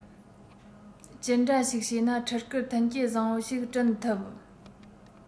ཅི འདྲ ཞིག བྱས ན ཕྲུ གུར མཐུན རྐྱེན བཟང པོ ཞིག བསྐྲུན ཐུབ